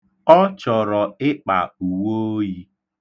Ọ chọrọ ịkpa uwooyi.